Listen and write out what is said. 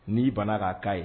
Ni ban na ka ka ye.